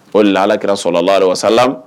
O la ala kɛrara sɔrɔla la wa sala